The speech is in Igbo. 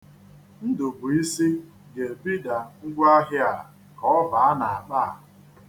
Ndụbuịsi ga-ebida ngwaahịa a ka ọ baa n'akpa a.